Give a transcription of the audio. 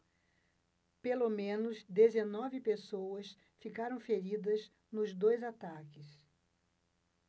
pelo menos dezenove pessoas ficaram feridas nos dois ataques